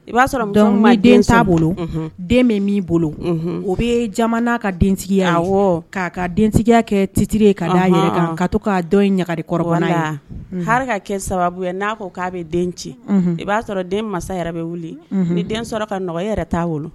I b'a sɔrɔ den bolo den bɛ min bolo u bɛ jamana ka denya k'a ka denya kɛ titiri kaa ye ka to kaa dɔn ɲagalikɔrɔya ha kɛ sababu n'a fɔ k'a bɛ den ci i'a sɔrɔ den masa yɛrɛ bɛ wili ni den sɔrɔ ka nɔgɔya yɛrɛ t'a bolo